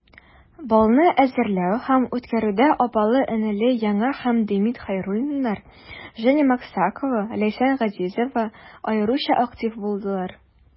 Балны әзерләү һәм үткәрүдә апалы-энеле Яна һәм Демид Хәйруллиннар, Женя Максакова, Ләйсән Газизова аеруча актив булдылар.